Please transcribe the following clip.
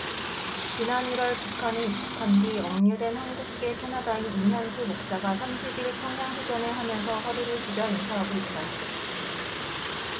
지난 일 월 북한에 입국한 뒤 억류된 한국계 캐나다인 임현수 목사가 삼십 일 평양 회견을 하면서 허리를 숙여 인사하고 있다